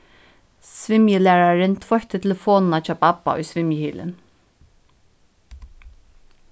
svimjilærarin tveitti telefonina hjá babba í svimjihylin